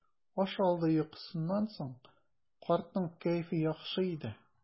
Аш алды йокысыннан соң картның кәефе яхшы иде.